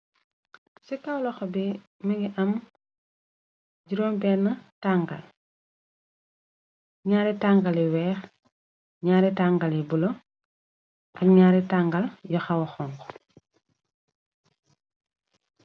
Ci kaw loxo bi mingi am jurom beni tangal, ñaari tangal yu weex, ñaari tangal yu bulo, ak ñaari tangal yu xawa xonxu.